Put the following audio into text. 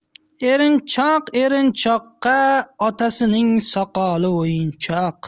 erinchoq erinchoqqa otasining soqoli o'yinchoq